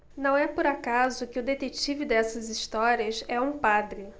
não é por acaso que o detetive dessas histórias é um padre